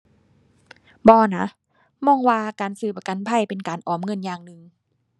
บ่นะ มองว่าการซื้อประกันภัยเป็นการออมเงินอย่างหนึ่ง